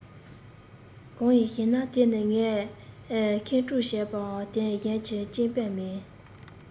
གང ཡིན ཞེ ན དེ ནི ངས ཁེངས སྐྱུང བྱས པའམ དོན གཞན གྱི རྐྱེན པས མིན